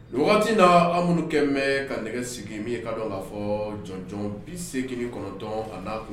Wagati na an minnukɛ bɛ ka nɛgɛ sigi min ye ka dɔn k'a fɔ jɔnjɔn bi se ni kɔnɔntɔn a' kun